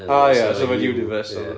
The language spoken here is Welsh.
o ia so ma'n universal fatha